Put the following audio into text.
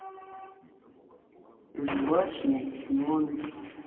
жевачный гномик